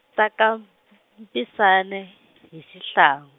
ta ka, m- Mpisane, hi Sihlang-.